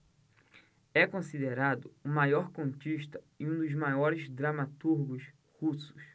é considerado o maior contista e um dos maiores dramaturgos russos